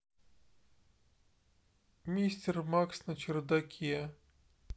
мистер макс на чердаке